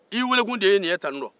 i weelekun de ye nin ye tantɔ